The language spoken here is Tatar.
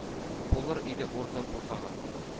Булыр иде урным бусага.